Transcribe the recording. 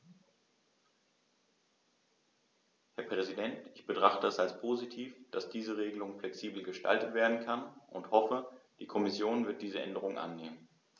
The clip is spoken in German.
Herr Präsident, ich betrachte es als positiv, dass diese Regelung flexibel gestaltet werden kann und hoffe, die Kommission wird diese Änderung annehmen.